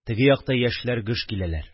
Теге якта яшьләр гөж киләләр